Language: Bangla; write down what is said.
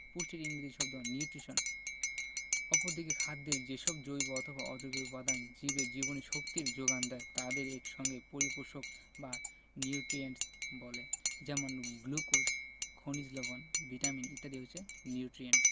পুষ্টির ইংরেজি শব্দ নিউট্রিশন অপরদিকে খাদ্যের যেসব জৈব অথবা অজৈব উপাদান জীবের জীবনীশক্তির যোগান দেয় তাদের এক সঙ্গে পরিপোষক বা নিউট্রিয়েন্টস বলে যেমন গ্লুকোজ খনিজ লবন ভিটামিন ইত্যাদি হচ্ছে নিউট্রিয়েন্টস